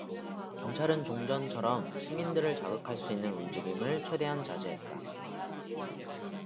경찰은 종전처럼 시민들을 자극할 수 있는 움직임을 최대한 자제했다